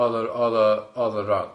Oedd o, oedd o, oedd o'n wrong?